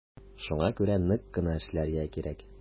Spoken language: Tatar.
Шуңа күрә нык кына эшләргә кирәк.